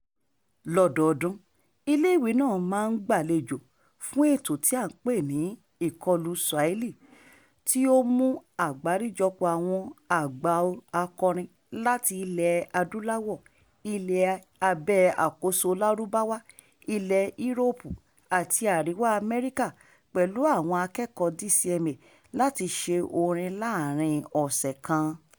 Lọ́dọọdún, iléèwé náà máa ń gbàlejò fún ètò tí a pè ní "Ìkọlù Swahili", tí ó mú àgbárijọpọ̀ọ àgbà akọrin láti Ilẹ̀-Adúláwọ̀, Ìlú Abẹ́-àkóso Lárúbáwá, Ilẹ̀ Éróòpù àti Àríwá Amẹ́ríkà pẹ̀lú àwọn akẹ́kọ̀ọ́ DCMA láti ṣe orin láàárín ọ̀sẹ̀ kan.